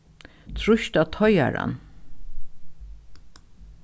trýst á teigaran